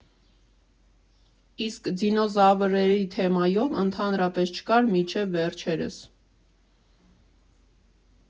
Իսկ դինոզավրերի թեմայով ընդհանրապես չկար մինչև վերջերս։